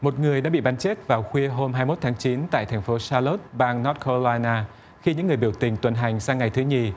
một người đã bị bắn chết vào khuya hôm hai mốt tháng chín tại thành phố sa lốt bang not ca lai na khi những người biểu tình tuần hành sang ngày thứ nhì